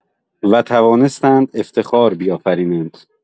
و توانستند افتخار بی‌افریند.